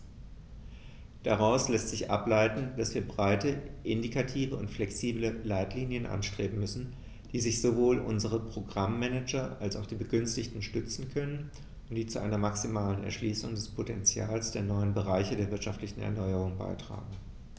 Daraus lässt sich ableiten, dass wir breite, indikative und flexible Leitlinien anstreben müssen, auf die sich sowohl unsere Programm-Manager als auch die Begünstigten stützen können und die zu einer maximalen Erschließung des Potentials der neuen Bereiche der wirtschaftlichen Erneuerung beitragen.